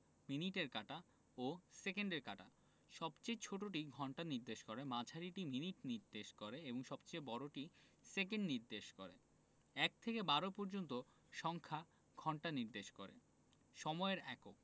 মিনিটের কাঁটা ও সেকেন্ডের কাঁটা সবচেয়ে ছোটটি ঘন্টা নির্দেশ করে মাঝারিটি মিনিট নির্দেশ করে এবং সবচেয়ে বড়টি সেকেন্ড নির্দেশ করে ১ থেকে ১২ পর্যন্ত সংখ্যা ঘন্টা নির্দেশ করে সময়ের একক